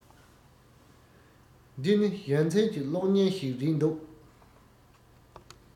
འདི ནི ཡ ཚན གྱི གློག སྙན ཞིག རེད འདུག